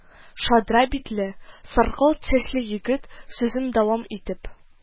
Шадра битле, саргылт чәчле егет, сүзен дәвам итеп: